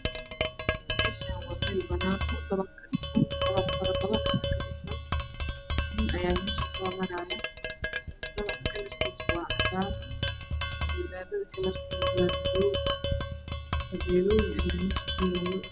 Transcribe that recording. Meshan waa meel banaan oo dabaq ka dhisan dabaq farabadan ayaa ka dhisan nin ayaa meesha so marayo dabaq kalarkiisu waa cadaan albaabada kalarkisu waa madoow tabeeloyin aya mesha kuyaalo